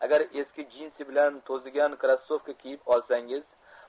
agar eski jinsi bilan to'zigan krossovka kiyib olsangiz